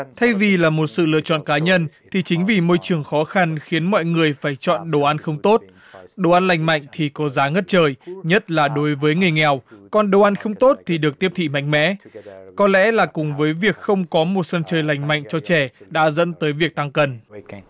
thay vì là một sự lựa chọn cá nhân thì chính vì môi trường khó khăn khiến mọi người phải chọn đồ ăn không tốt đồ ăn lành mạnh thì có giá ngất trời nhất là đối với người nghèo còn đồ ăn không tốt thì được tiếp thị mạnh mẽ có lẽ là cùng với việc không có một sân chơi lành mạnh cho trẻ đã dẫn tới việc tăng cân